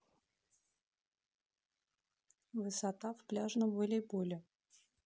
высота в пляжном волейболе